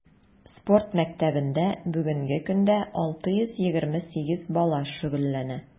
Спорт мәктәбендә бүгенге көндә 628 бала шөгыльләнә.